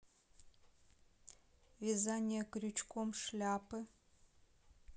вязание крючком шляпы